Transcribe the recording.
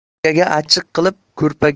burgaga achchiq qilib